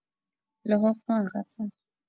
لحاف را عقب زد.